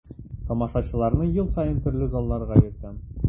Тамашачыларны ел саен төрле залларга йөртәм.